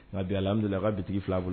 A' bin a laminadu la a ka bin fila bolo